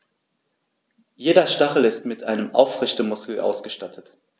Jeder Stachel ist mit einem Aufrichtemuskel ausgestattet.